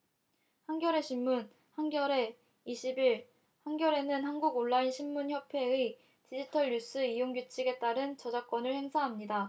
한겨레신문 한겨레 이십 일 한겨레는 한국온라인신문협회의 디지털뉴스이용규칙에 따른 저작권을 행사합니다